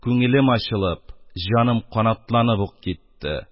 Күңелем ачылып, җаным канатланып ук китте.